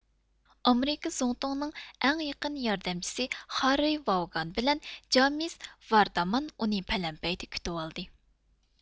ئامېرىكا زۇڭتۇڭىنىڭ ئەڭ يېقىن ياردەمچىسى خاررى ۋاۋگان بىلەن جامېس ۋاردامان ئۇنى پەلەمپەيدە كۈتۈۋالدى